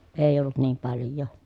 ei ollut niin paljoa